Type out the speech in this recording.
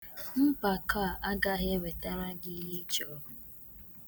Mpako a agaghị enwetara gị ihe ị chọrọ.